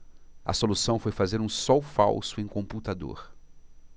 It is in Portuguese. a solução foi fazer um sol falso em computador